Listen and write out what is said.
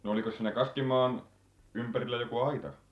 no olikos siinä kaskimaan ympärillä joku aita